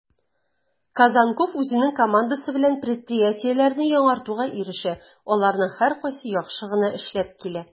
Козонков үзенең командасы белән предприятиеләрне яңартуга ирешә, аларның һәркайсы яхшы гына эшләп килә: